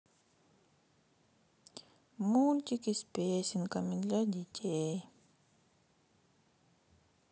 мультики с песенками для детей